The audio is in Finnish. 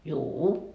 juu-u